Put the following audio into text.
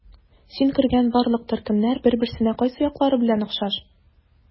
Син кергән барлык төркемнәр бер-берсенә кайсы яклары белән охшаш?